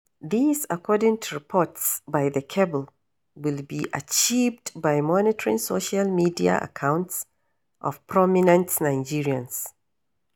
This, according to reports by the Cable, will be achieved by monitoring social media accounts of "prominent Nigerians".